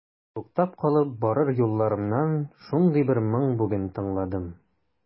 Туктап калып барыр юлларымнан шундый бер моң бүген тыңладым.